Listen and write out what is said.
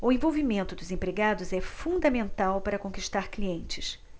o envolvimento dos empregados é fundamental para conquistar clientes